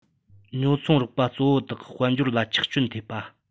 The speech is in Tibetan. ཉོ ཚོང རོགས པ གཙོ བོ དག གི དཔལ འབྱོར ལ ཆག སྐྱོན ཐེབས པ